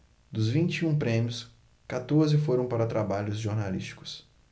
dos vinte e um prêmios quatorze foram para trabalhos jornalísticos